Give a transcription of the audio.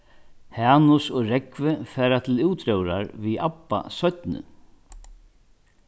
hanus og rógvi fara til útróðrar við abba seinni